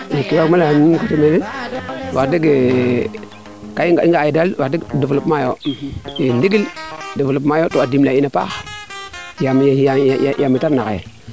i ke waag ma leya nuun te refu yee wax deg ka i nga e daal developpement yo i ndigil developement yoo to a dimle a in a paax yaam mete refna xaye